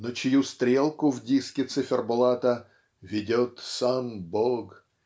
но чью стрелку в диске циферблата "ведет сам Бог